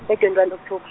nge- one October.